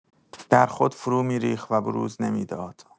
در خود فرو می‌ریخت و بروز نمی‌داد.